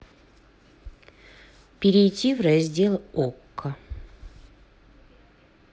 перейти в раздел окко